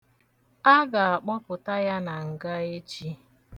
Aga-akpọpụta ya na nga echi.